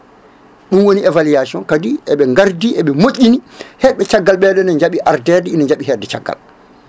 ɗum woni évaluation kadi eɓe gardi eɓe moƴƴini hedɓe caggal ɓe ɓeɗon ne jaaɓi ardede ina jaaɓi hedde caggal